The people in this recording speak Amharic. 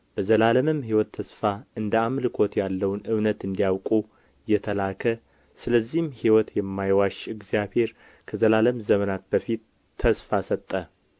በዘላለምም ሕይወት ተስፋ እንደ አምልኮት ያለውን እውነት እንዲያውቁ የተላከ ስለዚህም ሕይወት የማይዋሽ እግዚአብሔር ከዘላለም ዘመናት በፊት ተስፋ ሰጠ